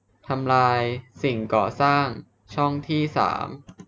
ทำลายสิ่งก่อสร้างช่องที่สาม